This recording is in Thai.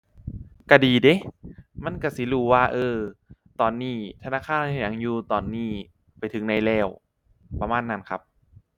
ก็ดีเดะ มันก็สิรู้ว่า เอ้อ ตอนนี้ธนาคารเฮ็ดหยังอยู่ ตอนนี้ไปถึงไหนแล้ว ประมาณนั้นครับ